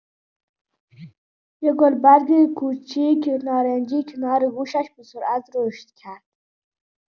یه گلبرگ کوچیک نارنجی کنار گوشش به‌سرعت رشد کرد.